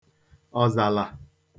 ọ̀zàlà